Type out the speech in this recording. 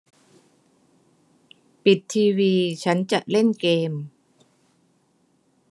ปิดทีวีฉันจะเล่นเกม